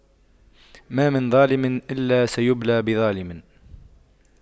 ما من ظالم إلا سيبلى بظالم